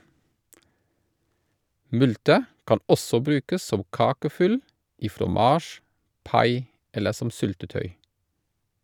Multer kan også brukes som kakefyll, i fromasj, pai eller som syltetøy.